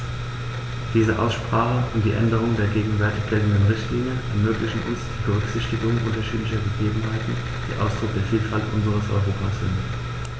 Diese Aussprache und die Änderung der gegenwärtig geltenden Richtlinie ermöglichen uns die Berücksichtigung unterschiedlicher Gegebenheiten, die Ausdruck der Vielfalt unseres Europas sind.